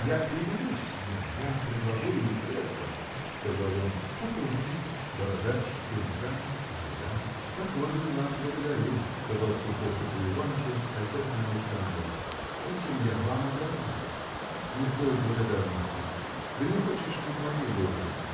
– Я переменюсь с ним: я предложу ему кресло, – сказал он. – Попробуйте. Бородач и руками и ногами. – Покорно вас благодарю! – сказал Сурков Петру Иванычу косясь на Александра – этим я вам обязан. – Не стоит благодарности. Да не хочешь ли в мою ложу?